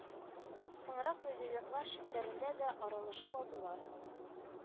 Соңрак президентлар челтәрендә дә аралашып алдылар